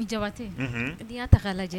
I jabatɛdenya ta lajɛ